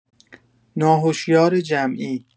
ناهشیار جمعی